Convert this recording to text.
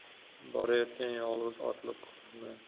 borayotgan yolg'iz otliq m